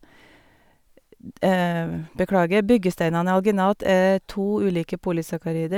d Beklager, byggesteinene i alginat er to ulike polysakkarider.